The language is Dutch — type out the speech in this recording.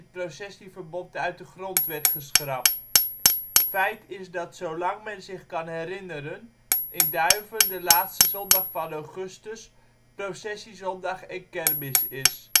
processie-verbod uit de grondwet geschrapt. Feit is dat zo lang men zich kan herinneren in Duiven de laatste zondag van augustus, processie-zondag en kermis is